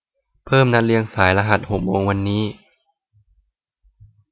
เพิ่มนัดเลี้ยงสายรหัสหกโมงวันนี้